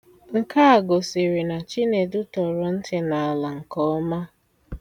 Nke a gosiri na Chinedu tọrọ nti n'ala nke ọma.